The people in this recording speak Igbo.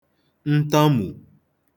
ntamù